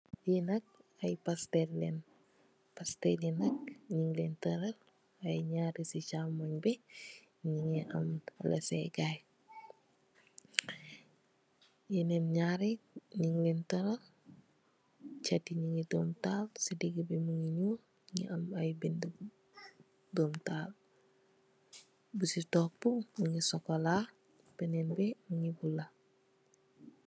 Lii nak ay pastel leen, pastel yi nak nyun len teral, ay nyar si caamony bi, mingi am lessekay, nyenen nyar yi, nyun len teral, cat yi nyungi doomtahal, si dige bi mingi nyuul, mingi am ay binde doomtahal, bu si toopu, mingi sokola, benen bi mingi bula